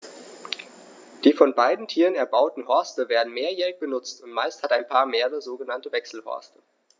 Die von beiden Tieren erbauten Horste werden mehrjährig benutzt, und meist hat ein Paar mehrere sogenannte Wechselhorste.